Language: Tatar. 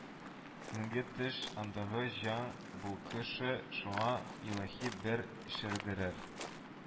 Төнге төш, андагы җан балкышы шуңа илаһи бер ишарәдерер